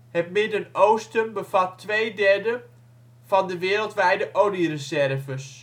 het Midden-Oosten bevat twee derde van de wereldwijde oliereserves